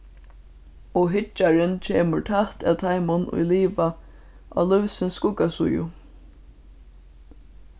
og hyggjarin kemur tætt at teimum ið liva á lívsins skuggasíðu